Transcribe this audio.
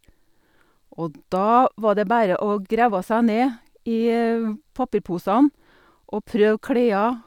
Og da var det bare å grave seg ned i papirposene og prøve klær.